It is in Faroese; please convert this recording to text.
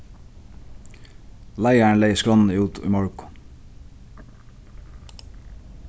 leiðarin legði skránna út í morgun